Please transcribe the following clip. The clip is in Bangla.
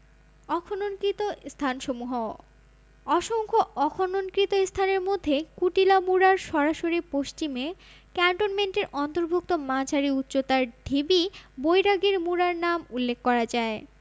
অখননকৃত স্থানসমূহ অসংখ্য অখননকৃত স্থানের মধ্যে কুটিলা মুড়ার সরাসরি পশ্চিমে ক্যান্টনমেন্টের অন্তর্ভুক্ত মাঝারি উচ্চতার ঢিবি বৈরাগীর মুড়ার নাম উল্লেখ করা যায়